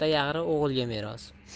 ota yag'ri o'g'ilga meros